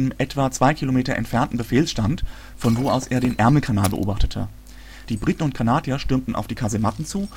etwa zwei Kilometer entfernten Befehlsstand, von wo aus er den Ärmelkanal beobachtete. Die Briten und Kanadier stürmten auf die Kasematten zu